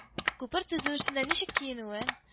Күпер төзү эшендә ничек киенүең